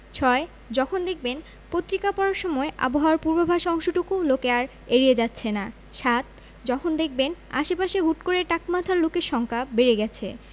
৬. যখন দেখবেন পত্রিকা পড়ার সময় আবহাওয়ার পূর্বাভাস অংশটুকু লোকে আর এড়িয়ে যাচ্ছে না ৭. যখন দেখবেন আশপাশে হুট করে টাক মাথার লোকের সংখ্যা বেড়ে গেছে